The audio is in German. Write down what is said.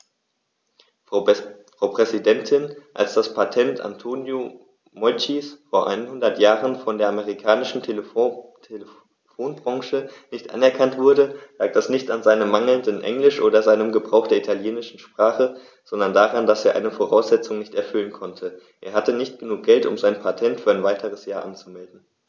Frau Präsidentin, als das Patent Antonio Meuccis vor einhundert Jahren von der amerikanischen Telefonbranche nicht anerkannt wurde, lag das nicht an seinem mangelnden Englisch oder seinem Gebrauch der italienischen Sprache, sondern daran, dass er eine Voraussetzung nicht erfüllen konnte: Er hatte nicht genug Geld, um sein Patent für ein weiteres Jahr anzumelden.